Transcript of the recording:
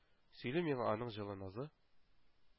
Сөйли миңа аның җылы назы